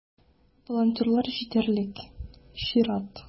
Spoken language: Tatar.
Волонтерлар җитәрлек - чират.